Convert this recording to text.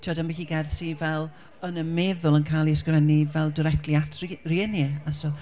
timod, ambell i gerdd sy fel yn y meddwl yn cael eu hysgrifennu fel directly at ri- rieni a stwff.